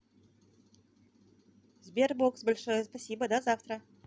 sberbox большое спасибо до завтра